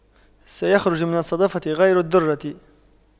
قد يخرج من الصدفة غير الدُّرَّة